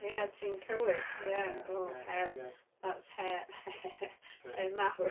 Ie ti'n cywir. Ie, w, her. That's her her mawr .